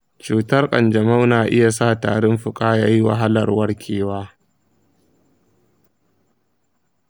cutar ƙanjamau na iya sa tarin fuka yayi wahalar warkewa?